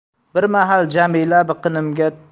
bir mahal jamila